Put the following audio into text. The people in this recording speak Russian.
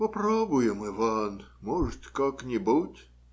- Попробуем, Иван, может, как-нибудь.